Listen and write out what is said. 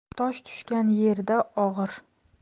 tosh tushgan yerida og'ir